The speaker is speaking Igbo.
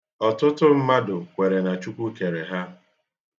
Ọtụtụ mmadụ kwere na Chukwu kere ha.